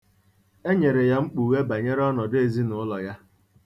E nyere ya mkpughe banyere ọnọdụ ezinụlọ ya.